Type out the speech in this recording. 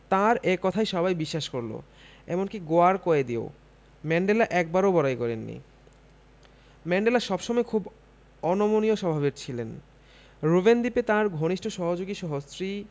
তাঁর এ কথায় সবাই বিশ্বাস করল এমনকি গোঁয়ার কয়েদিও ম্যান্ডেলা একবারও বড়াই করেননি ম্যান্ডেলা সব সময় খুব অনমনীয় স্বভাবের ছিলেন রোবেন দ্বীপে তাঁর ঘনিষ্ঠ সহযোগীসহ স্ত্রী